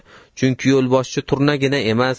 chunki yo'lboshchi turnagina emas